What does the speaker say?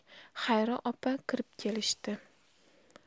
xayri opa kirib kelishdi